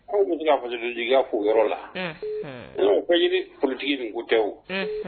Anw bɛ se ka fasodenjigiya k'o yɔrɔ sinon politique ni ko tɛ o